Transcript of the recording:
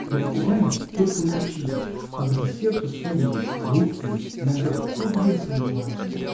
Мы покупаем только мочить, а к десерту свои есть, крупные, иногда в пуд весом бывают.